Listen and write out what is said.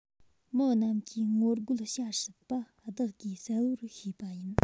མི རྣམས ཀྱིས ངོ རྒོལ བྱ སྲིད པ བདག གིས གསལ པོར ཤེས པ ཡིན